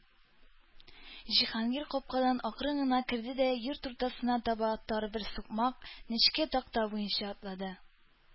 Җиһангир капкадан акрын гына керде дә йорт уртасына таба тар бер сукмак—нечкә такта буенча атлады.